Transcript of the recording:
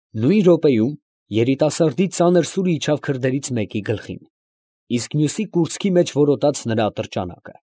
Նույն րոպեում երիտասարդի ծանր սուրը իջավ քրդերից մեկի գլխին, իսկ մյուսի կուրծքի մեջ որոտաց նրա ատրճանակը։